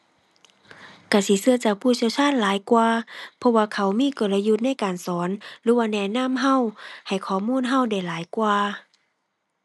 ก็สิก็จากผู้เชี่ยวชาญหลายกว่า เพราะว่าเขามีกลยุทธ์ในการสอนหรือว่าแนะนำก็ ให้ข้อมูลก็ได้หลายกว่า